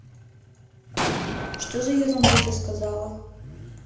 что за ерунду ты сказала